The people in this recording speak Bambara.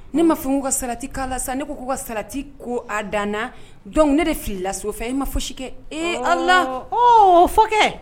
Ne mafin' ka sarati kala sa ne ko k'u ka sarati ko a danana dɔnku ne de fili la so fɛ e ma fo si kɛ e ala la fo kɛ